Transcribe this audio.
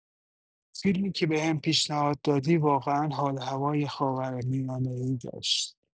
فیلمی که بهم پیشنهاد دادی واقعا حال و هوای خاورمیانه‌ای داشت.